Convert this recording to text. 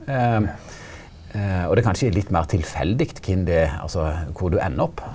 og det er kanskje litt meir tilfeldig kven det altså kor du endar opp.